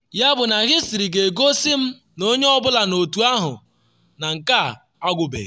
Yabụ na hịstrị ga-egosi m na onye ọ bụla n’otu ahụ na nke a agwụbeghị.